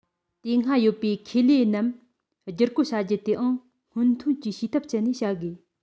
དེ སྔ ཡོད པའི ཁེ ལས རྣམས བསྒྱུར བཀོད བྱ རྒྱུ དེའང སྔོན ཐོན གྱི བྱེད ཐབས སྤྱད ནས བྱ དགོས